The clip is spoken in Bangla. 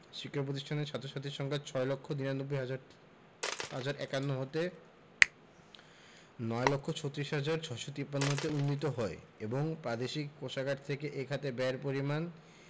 শিক্ষা পতিষ্ঠানের ছাত্র ছাত্রীদের সংখ্যা ৬ লক্ষ ৯৯ হাজার ৫১ হতে ৯ লক্ষ ৩৬ হাজার ৬৫৩ তে উন্নীত হয় এবং পাদেশিক কোষাগার থেকে এ খাতে ব্যয়ের পরিমাণ